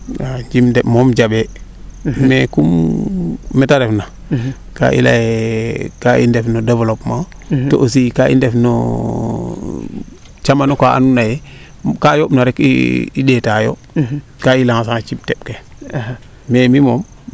njim deɓ moom jambee maios kum mete ref na kaa i layaa ye kaa i ndef no developpement to aussi kaa i ndef no camano kaa ando naye kaa yoomb na rek i ndeeta yo kaa i lance a cim teɓ ke mais mi moom